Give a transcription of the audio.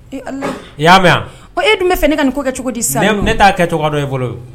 Ala i y'a mɛn yan o e dun bɛ fɛ ne ka nin ko kɛ cogo di sa ne'a kɛ cogo dɔ ye fɔlɔ